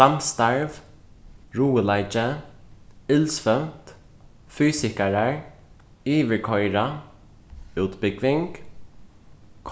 samstarv ruðuleiki illsvøvnt fysikarar yvirkoyra útbúgving